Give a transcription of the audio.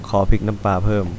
ขอพริกน้ำปลาเพิ่ม